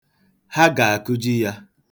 Ha ga-akụji ya.